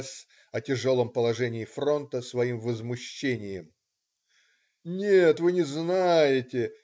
С. о тяжелом положении фронта своим возмущением: "Нет, вы знаете!